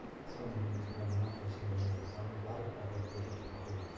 qisqa umrimiz bilan nima qilishni bilmaymiz ammo baribir abadiy yashashni xohlaymiz